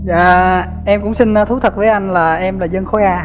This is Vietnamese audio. dạ em cũng xin thú thật với anh là em là dân khối a